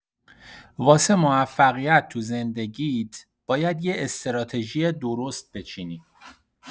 واسه موفقیت تو زندگیت باید یه استراتژی درست بچینی.